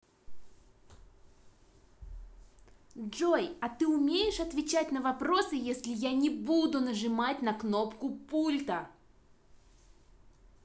джой а ты умеешь отвечать на вопросы если я не буду нажимать на кнопку пульта